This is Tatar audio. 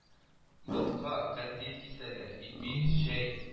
Ботка, кәтлит кисәге, ипи, чәй